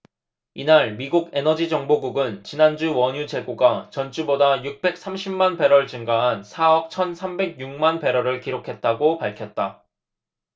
이날 미국 에너지정보국은 지난주 원유 재고가 전주보다 육백 삼십 만 배럴 증가한 사 억 천 삼백 여섯 만배럴을 기록했다고 밝혔다